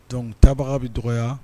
Donc tabaga bɛ dɔgɔ